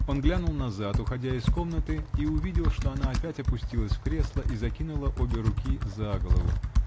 Он глянул назад, уходя из комнаты, и увидел, что она опять опустилась в кресло и закинула обе руки за голову.